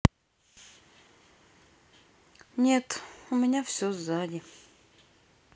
нет у меня все сзади